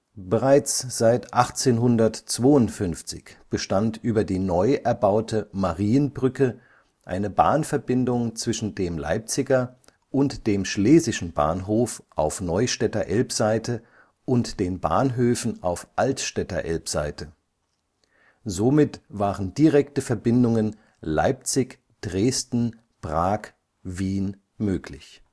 Bereits seit 1852 bestand über die neu erbaute Marienbrücke eine Bahnverbindung zwischen dem Leipziger und dem Schlesischen Bahnhof auf Neustädter Elbseite und den Bahnhöfen auf Altstädter Elbseite. Somit waren direkte Verbindungen Leipzig – Dresden – Prag – Wien möglich